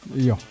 iyo